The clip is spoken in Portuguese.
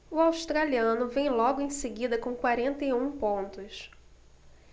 o australiano vem logo em seguida com quarenta e um pontos